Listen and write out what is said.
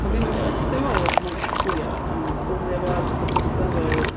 Mae genna fo clustia mawr, ma'n gallu fflio a maen nhw'n bwlio fo achos bo' clustia fo'n fawr...